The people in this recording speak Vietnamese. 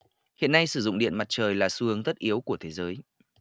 hiện nay sử dụng điện mặt trời là xu hướng tất yếu của thế giới